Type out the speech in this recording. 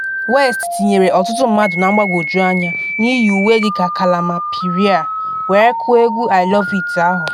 West tinyere ọtụtụ mmadụ na mgbagwoju anya n’iyi uwe dịka Kalama Perrier were kụọ egwu I Love it ahụ.